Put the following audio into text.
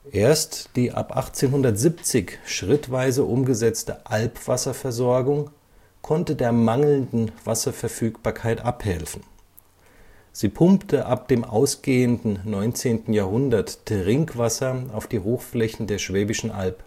Erst die ab 1870 schrittweise umgesetzte Albwasserversorgung konnte der mangelnden Wasserverfügbarkeit abhelfen, sie pumpte ab dem ausgehenden 19. Jahrhundert Trinkwasser auf die Hochflächen der Schwäbischen Alb